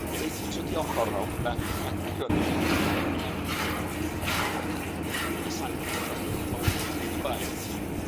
Ag wre- wt 'i ochor o o'dd 'na acronym fwy annealladwy fyth o chwech i saith llythyran gwahanol yn y yn y Gymraeg.